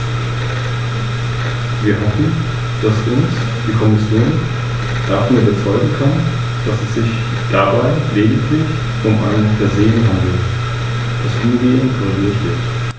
Gefordert werden deshalb auch die Erfassung dieser Aktivitäten in Form von Jahresberichten oder Betriebsanalysen und eventuell die Einbeziehung in die Zertifizierung nach ISO 9002.